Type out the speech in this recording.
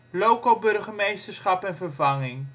Loco-burgemeesterschap en vervanging